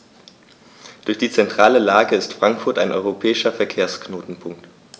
Durch die zentrale Lage ist Frankfurt ein europäischer Verkehrsknotenpunkt.